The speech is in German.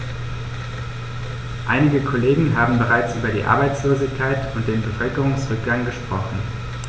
Einige Kollegen haben bereits über die Arbeitslosigkeit und den Bevölkerungsrückgang gesprochen.